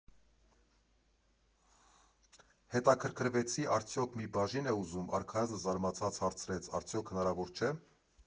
Հետաքրքրվեցի՝ արդյոք մի բաժի՞ն է ուզում, արքայազնը զարմացած հարցրեց՝ արդյոք հնարավոր չէ՞։